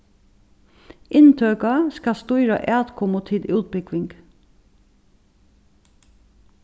inntøka skal stýra atkomu til útbúgving